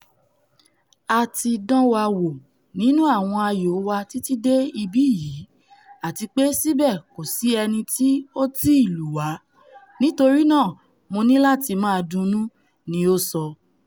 A ti dán wa wò nínú àwọn ayò wa tìtí dé ibí yìí, àtipé síbẹ̀ kòsí ẹnití ó tíì lù wá, nítorínaa Mo nílatí máa dunnú,'' ni ó sọ.